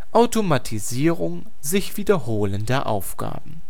Automatisierung sich wiederholender Aufgaben